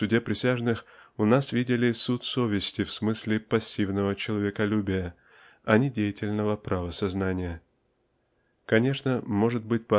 в суде присяжных у нас видели суд совести в смысле пассивного человеколюбия а не деятельного правосознания. Конечно может быть